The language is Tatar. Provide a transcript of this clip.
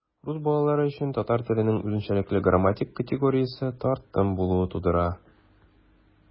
Рус балалары өчен татар теленең үзенчәлекле грамматик категориясе - тартым булуы тудыра.